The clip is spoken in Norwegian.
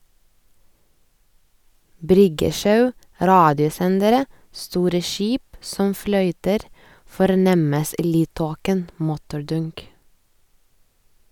Bryggesjau, radiosendere, store skip som fløyter fornemmes i lydtåken, motordunk.